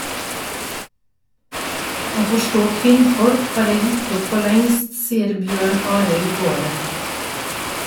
«Å forstå kvinnfolk, har jeg gitt opp for lengst», sier Bjørn Arild Gården.